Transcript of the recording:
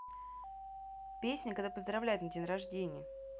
песня когда поздравляют на день рождения